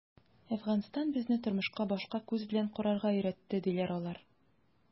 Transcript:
“әфганстан безне тормышка башка күз белән карарга өйрәтте”, - диләр алар.